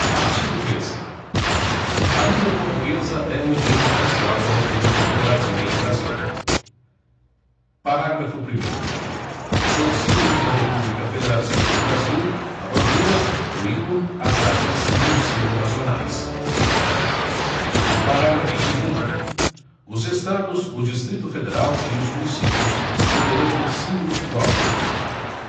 artigo treze a língua portuguesa é o idioma oficial da república federativa do brasil parágrafo primeiro são símbolos da república federativa do brasil a bandeira o hino as armas e o selo nacionais parágrafo segundo os estados o distrito federal e os municípios poderão ter símbolos próprios